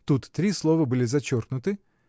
(тут три слова были зачеркнуты).